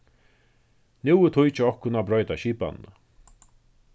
nú er tíð hjá okkum at broyta skipanina